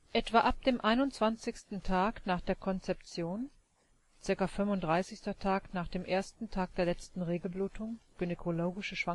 Etwa ab dem 21. Tag nach der Konzeption (ca. 35. Tag nach dem ersten Tag der letzten Regelblutung – gynäkologische Schwangerschaftsrechnung